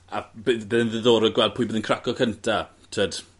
A bydd bydd e'n ddiddorol gwael pwy bydd yn craco cynta t'wod?